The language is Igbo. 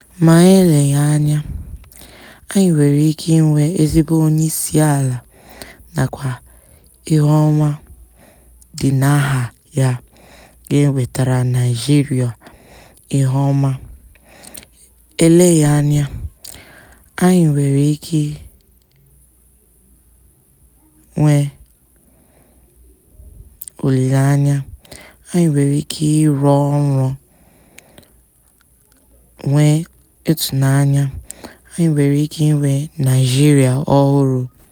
Ma eleghị anya, anyị nwere ike inwe ezigbo Onyeisiala nakwa ihuọma dị n'aha ya ga-ewetara Naịjirịa iheọma, eleghịanya, anyị nwere ike inwe olileanya, anyị nwere ike ịrọ nrọ, nwe itunanya, anyị nwere ike inwe Naịjirịa ohụrụ.